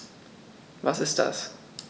Was ist das?